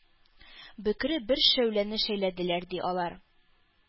Бөкре бер шәүләне шәйләделәр, ди, алар.